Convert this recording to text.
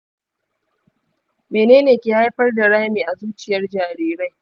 menene ke haifar da rami a zuciyar jarirai?